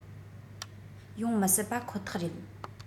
ཡོང མི སྲིད པ ཁོ ཐག རེད